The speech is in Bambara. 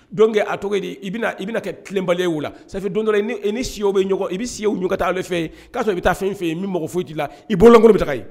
Donc a tɔgɔ ye di i bɛna kɛ tilenbaliya ye o la ça fait don dɔ i ni sɛw ɲu ka taga ale fɛ yen k'a sɔrɔ i bɛ taa fɛn fɛ yen min mɔgɔ foyi t'i la i bolo lankolon bɛ taga yen